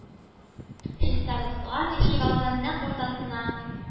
Чистартылган ишек алдының нәкъ уртасына,